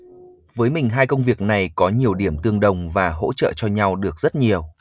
với mình hai công việc này có nhiều điểm tương đồng và hỗ trợ cho nhau được rất nhiều